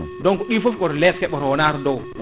donc ɗin foof woto lebte woto nan dowo